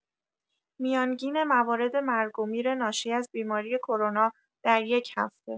میانگین موارد مرگ و میر ناشی از بیماری کرونا در یک هفته